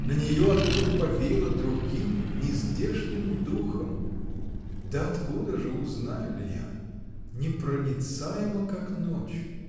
На нее откуда-то повеяло другим, не здешним духом!. Да откуда же: узнаю ли я? Непроницаема, как ночь!